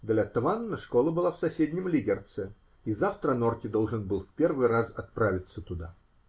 Для Тванна школа была в соседнем Лигерце, и завтра Норти должен был в первый раз отправиться туда.